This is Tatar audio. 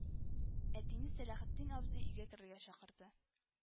Әтине Сәләхетдин абзый өйгә керергә чакырды